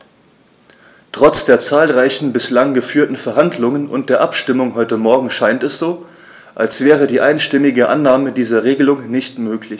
Trotz der zahlreichen bislang geführten Verhandlungen und der Abstimmung heute Morgen scheint es so, als wäre die einstimmige Annahme dieser Regelung nicht möglich.